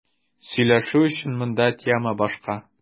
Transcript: Сөйләшү өчен монда тема башка.